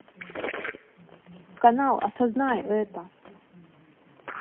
канал осознай это